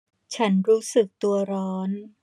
ฉันรู้สึกตัวร้อน